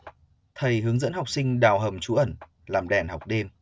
thầy hướng dân học sinh đào hầm trú ẩn làm đèn học đêm